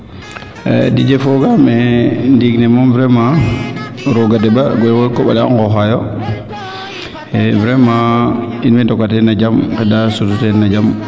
Didier fogaame ndiing ne moom vraiment rooga deɓa boo a qoɓale a ŋoxaa yo vraiment in way ndoka te no jam ŋendaa sutu teen no jam